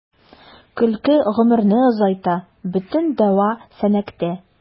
Көлке гомерне озайта — бөтен дәва “Сәнәк”тә.